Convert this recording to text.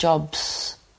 ...jobs.